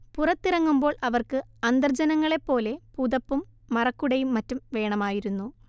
പുറത്തിറങ്ങുമ്പോൾ അവർക്ക് അന്തർജനങ്ങളെപ്പോലെ പുതപ്പും മറക്കുടയും മറ്റും വേണമായിരുന്നു